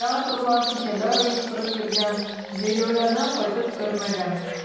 Театрлар, кичәләр оештырып йөргән, җәйләүләрдән кайтып кермәгән.